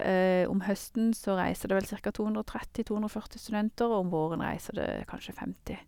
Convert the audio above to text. Om høsten så reiser det vel cirka to hundre og tretti to hundre og førti studenter, og om våren reiser det kanskje femti.